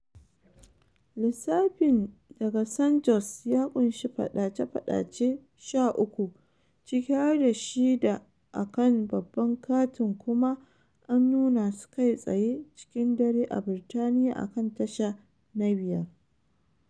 Lissafin daga San Jose ya ƙunshi fadace-fadace 13, ciki harda shida a kan babban katin kuma an nuna su kai tsaye cikin dare a Birtaniya akan Tasha na 5.